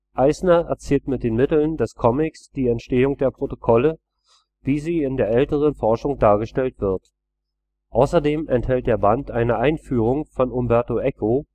Eisner erzählt mit den Mitteln des Comics die Entstehung der Protokolle, wie sie in der älteren Forschung dargestellt wird. Außerdem enthält der Band eine Einführung von Umberto Eco